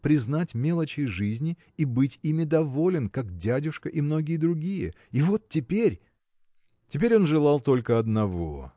признать мелочей жизни и быть ими доволен как дядюшка и многие другие. И вот теперь!. Теперь он желал только одного